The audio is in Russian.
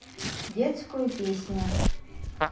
детскую песню